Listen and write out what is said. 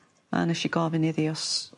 a nesh i gofyn iddi os